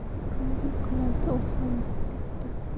ko'ngil qanoti osmondan katta